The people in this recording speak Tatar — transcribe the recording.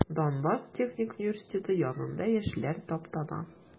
Донбасс техник университеты янында яшьләр таптана.